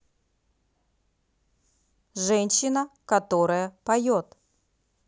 женщина которая поет